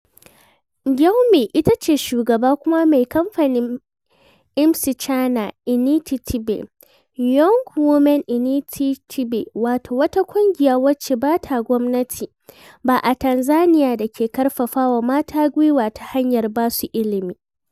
Gyumi ita ce shugaba kuma mai kamfanin Msichana Inititiaɓe (Young Woman Initiatiɓe), wato wata ƙungiya wacce ba ta gwmnati ba a Tanzaniya da ke karfafawa mata gwiwa ta hanyar ba su ilimi.